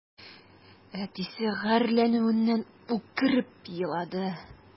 Әтисе гарьләнүеннән үкереп елады.